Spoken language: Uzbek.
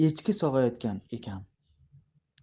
echki sog'ayotgan ekan